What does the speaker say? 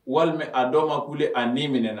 Walima a dɔw ma kule a ni minɛna